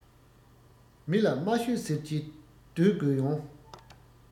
མི ལ མ ཤོད ཟེར གྱིན སྡོད དགོས ཡོང